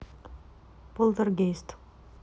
полтергейст